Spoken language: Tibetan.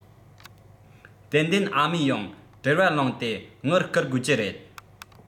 ཏན ཏན ཨ མས ཡང བྲེལ བ ལངས ཏེ དངུལ བསྐུར དགོས ཀྱི རེད